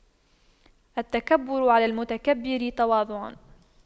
التكبر على المتكبر تواضع